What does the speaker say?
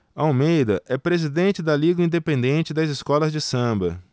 almeida é presidente da liga independente das escolas de samba